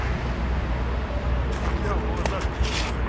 у тебя в глазах минус